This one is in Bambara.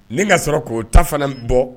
Ni ka sɔrɔ k'o ta fana bɔ